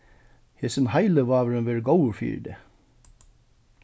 hesin heilivágurin verður góður fyri teg